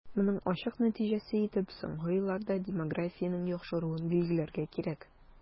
Моның ачык нәтиҗәсе итеп соңгы елларда демографиянең яхшыруын билгеләргә кирәк.